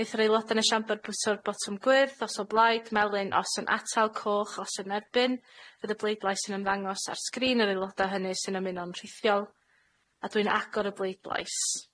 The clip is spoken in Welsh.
Neith yr aeloda' yn y siambr bwyso'r botwm gwyrdd os o blaid, melyn os yn atal, coch os yn erbyn. Fydd y bleidlais yn ymddangos ar sgrin yr aeloda' hynny sy'n ymuno'n rhithiol. A dwi'n agor y bleidlais.